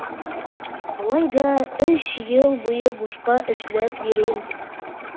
Болай да өч ел буе бушка эшләп йөрим.